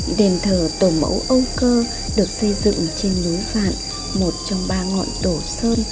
đền thờ tổ mẫu âu cơ được xây dựng trên núi vặn trong ngọn tổ sơn